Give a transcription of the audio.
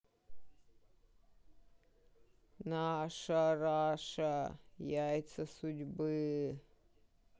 наша раша яйца судьбы